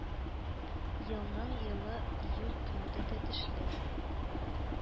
Елның елы июль көнендә тәтешле